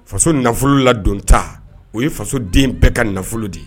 Faso nafolo ladon ta, o ye faso den bɛɛ ka nafolo de ye.